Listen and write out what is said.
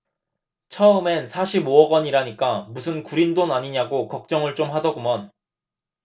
처음엔 사십 오 억원이라니까 무슨 구린 돈 아니냐고 걱정을 좀 하더구먼